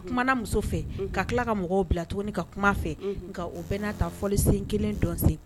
U kumana muso fɛ, ka tila ka mɔgɔw bila tuguni ka kuma a fɛ, u bɛ naata fɔli kelen, in dɔn sen kelen!